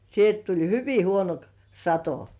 sieltä tuli hyvin huono - sato